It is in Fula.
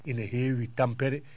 ine heewi tampere